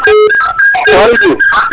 Waly Diouf